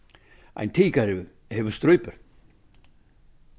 ein tikari hevur strípur